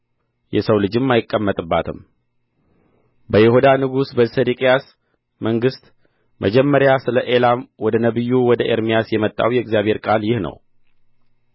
የሰው ልጅም አይቀመጥባትም በይሁዳ ንጉሥ በሴዴቅያስ መንግሥት መጀመሪያ ስለ ኤላም ወደ ነቢዩ ወደ ኤርምያስ የመጣው የእግዚአብሔር ቃል ይህ ነው